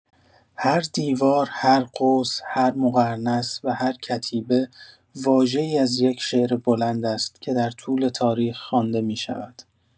هر دیوار، هر قوس، هر مقرنس و هر کتیبه، واژه‌ای از یک شعر بلند است که در طول تاریخ خوانده می‌شود.